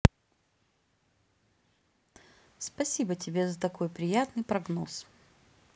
спасибо тебе за такой приятный прогноз